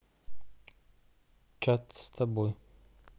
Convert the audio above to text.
чат с тобой